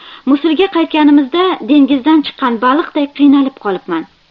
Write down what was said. musulga qaytganimizda dengizdan chiqqan baliqday qiynalib qolibman